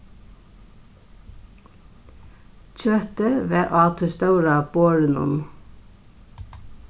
kjøtið var á tí stóra borðinum